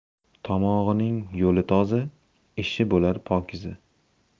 tomog'ining yo'li toza ishi bo'lar pokiza